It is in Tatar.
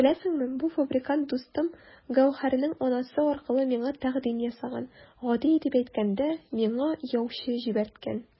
Беләсеңме, бу фабрикант дустым Гәүһәрнең анасы аркылы миңа тәкъдим ясаган, гади итеп әйткәндә, миңа яучы җибәрткән!